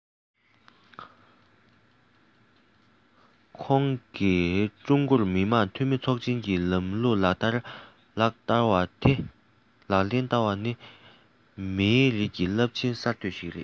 ཁོང གིས ཀྲུང གོར མི དམངས འཐུས མི ཚོགས ཆེན གྱི ལམ ལུགས ལག ལེན བསྟར བ ནི མིའི རིགས ཀྱི རླབས ཆེའི གསར གཏོད ཅིག དང